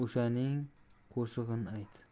o'shaning qo'shig'ini ayt